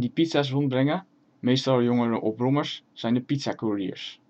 pizza 's rondbrengen, meestal jongeren op een brommer, zijn de pizzakoeriers